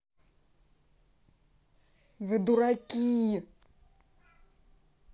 вы дураки